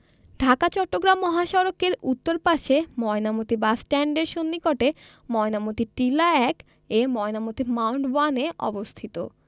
ঢাকা চট্টগ্রাম মহাসড়কের উত্তর পাশে ময়নামতী বাসস্ট্যান্ডের সন্নিকটে ময়নামতী টিলা ১ এময়নামতি মাওন্ড ওয়ান এ অবস্থিত